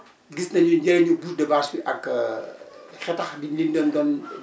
gis nañu njëriñu bouse de vache bi ak xetax gi ñu leen doon